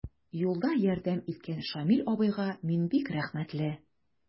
Юлда ярдәм иткән Шамил абыйга мин бик рәхмәтле.